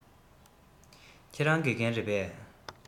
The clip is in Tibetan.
ཁྱེད རང དགེ རྒན རེད པས